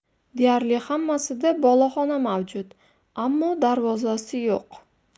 deyarli hammasida boloxona mavjud ammo darvozasi yo'q